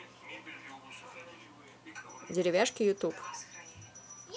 деревяшки ютуб